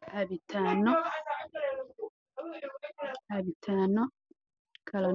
Waa cabitaano kala